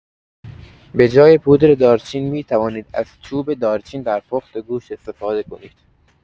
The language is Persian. به‌جای پودر دارچین می‌توانید از چوب دارچین در پخت گوشت استفاده کنید.